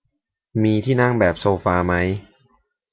มีที่นั่งแบบโซฟามั้ย